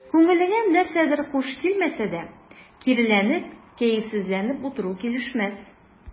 Күңелеңә нәрсәдер хуш килмәсә дә, киреләнеп, кәефсезләнеп утыру килешмәс.